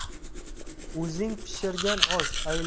o'zing pishirgan osh